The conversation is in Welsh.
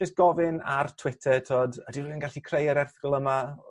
jyst gofyn ar Twitter t'od ydi rywun yn gallu creu yr erthygl yma